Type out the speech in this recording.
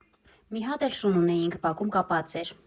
Մի հատ էլ շուն ունեինք, բակում կապած էր։